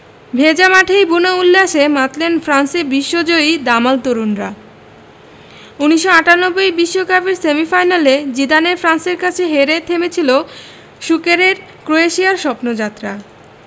ভেজা মাঠেই বুনো উল্লাসে মাতলেন ফ্রান্সের বিশ্বজয়ী দামাল তরুণরা ১৯৯৮ বিশ্বকাপের সেমিফাইনালে জিদানের ফ্রান্সের কাছে হেরে থেমেছিল সুকেরের ক্রোয়েশিয়ার স্বপ্নযাত্রা